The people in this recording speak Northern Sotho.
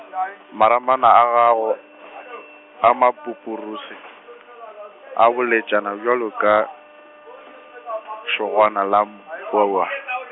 maramana a gago , a mapupuruse, a boletšana bjalo ka, segwana la mpua.